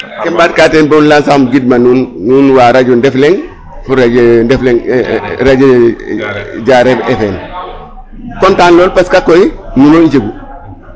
Keem ɓaatka teen boog l' ensemble um gidma nuun wolu wa radio Ndef Leng fo radio radio Diarekh FM content lol koy parce nu no njegun.